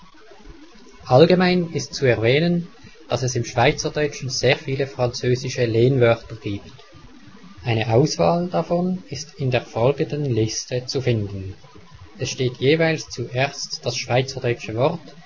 Allgemein ist zu erwähnen, dass es im Schweizerdeutschen sehr viele französische Lehnwörter gibt. Eine Auswahl davon ist in der folgenden Liste zu finden. (Es steht jeweils zuerst das Schweizerdeutsche Wort